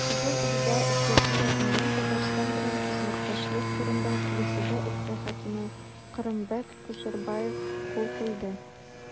Кызыл Урда өлкәсе ягыннан Татарстан белән хезмәттәшлек турында килешүгә өлкә хакиме Кырымбәк Кушербаев кул куйды.